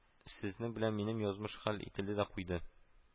Сезнең белән минем язмыш хәл ителде дә куйды